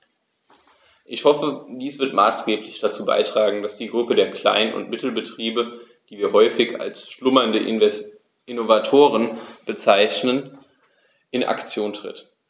Ich hoffe, dies wird maßgeblich dazu beitragen, dass die Gruppe der Klein- und Mittelbetriebe, die wir häufig als "schlummernde Innovatoren" bezeichnen, in Aktion tritt.